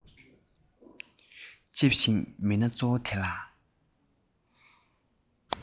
ལྕེབས ཤིང མི སྣ གཙོ བ དེ ལ